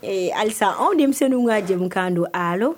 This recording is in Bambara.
Ee halisa anw denmisɛnww ka jamukan don alo